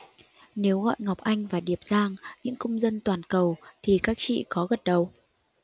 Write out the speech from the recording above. nếu gọi ngọc anh và điệp giang những công dân toàn cầu thì các chị có gật đầu